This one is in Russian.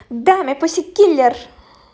dami pussykiller